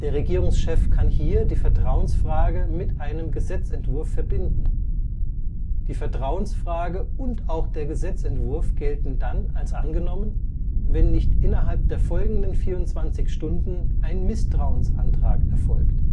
Regierungschef kann hier die Vertrauensfrage mit einem Gesetzentwurf verbinden. Die Vertrauensfrage und auch der Gesetzentwurf gelten dann als angenommen, wenn nicht innerhalb der folgenden 24 Stunden ein Misstrauensantrag erfolgt